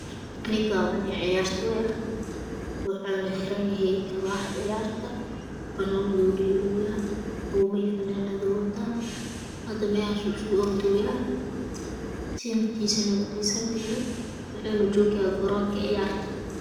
Ninkan waa nin ciyaartooy ah wuxuuna xiran yahay kabaha ciyaarta banooniyuu dheelooya buumo iyo fanaanaduu wataa hada mehaasu ordooyaa tintiisana way u deesantahay wuxuuna jogyaa garonka ciyaarta